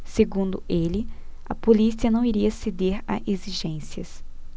segundo ele a polícia não iria ceder a exigências